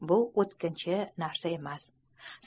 bu o'tkinchi narsa emas